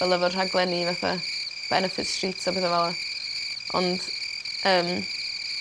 Fel efo rhaglenni fatha Benefit Streets a petha fel 'a ond yym